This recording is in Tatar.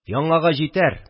Яңага җитәр